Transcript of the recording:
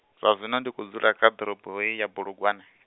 zwa zwino ndi kho dzula ḓorobo hei ya Bulugwane.